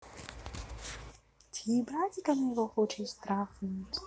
ты братика моего хочешь трахнуть